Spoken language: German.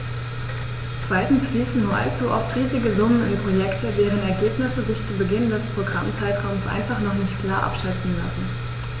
Zweitens fließen nur allzu oft riesige Summen in Projekte, deren Ergebnisse sich zu Beginn des Programmzeitraums einfach noch nicht klar abschätzen lassen.